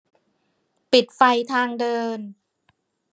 ปิดไฟทางเดิน